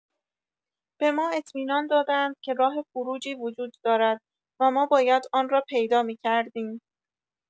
به ما اطمینان دادند که راه خروجی وجود دارد و ما باید آن را پیدا می‌کردیم.